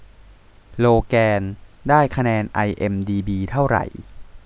โลแกนได้คะแนนไอเอ็มดีบีเท่าไหร่